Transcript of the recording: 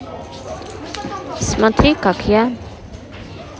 смотри как я